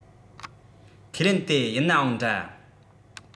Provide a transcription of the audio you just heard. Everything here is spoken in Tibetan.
ཁས ལེན དེ ཡིན ནའང འདྲ